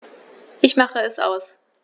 Ich mache es aus.